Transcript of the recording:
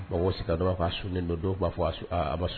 Mɔgɔw siga dɔw ko a ka sunnen don dɔw b'a fɔ a ma